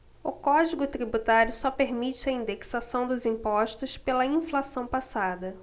o código tributário só permite a indexação dos impostos pela inflação passada